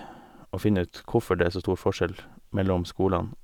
Og finne ut hvorfor det er så stor forskjell mellom skolene.